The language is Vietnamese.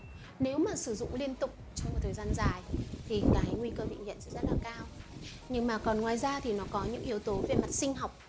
nếu mà sử dụng liên tục trong một thời gian dài thì nguy cơ bị nghiện sẽ rất là cao nhưng mà ngoài ra thì nó có một số yếu tố về mặt sinh học